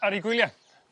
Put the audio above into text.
ar ei gwylie.